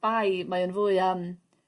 bai mae o'n fwy am